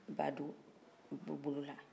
i b'a don bobolo la